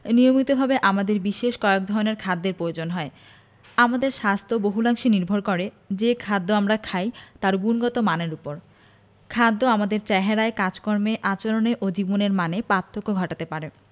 নিয়মিতভাবে আমাদের বিশেষ কয়েক ধরনের খাদ্যের পয়োজন হয় আমাদের স্বাস্থ্য বহুলাংশে নির্ভর করে যে খাদ্য আমরা খাই তার গুণগত মানের ওপর খাদ্য আমাদের চেহারায় কাজকর্মে আচরণে ও জীবনের মানে পার্থক্য ঘটাতে পারে